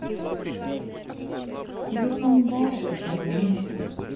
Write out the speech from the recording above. телефон бара пропаганда